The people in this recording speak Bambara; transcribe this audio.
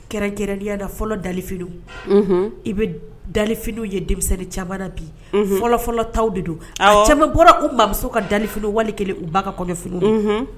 Kɛrɛnkɛrɛnya da fɔlɔ dafiniw i bɛ dafiniw ye denmisɛnnin ca bi fɔlɔfɔlɔ ta de don cɛman bɔra u maamuso ka daini wali kelen u ba ka f